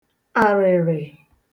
ạrị̀rị̀